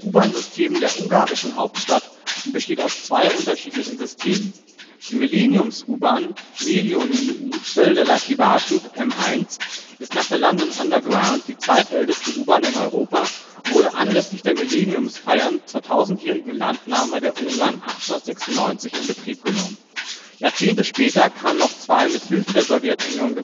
U-Bahn-System der ungarischen Hauptstadt und besteht aus zwei unterschiedlichen Systemen. Die Millenniums-U-Bahn (Millenniumi Földalatti Vasút, M1) ist nach der London Underground die zweitälteste U-Bahn in Europa und wurde anlässlich der Millenniumsfeiern zur tausendjährigen Landnahme der Ungarn 1896 in Betrieb genommen. Jahrzehnte später kamen noch zwei mit Hilfe der Sowjetunion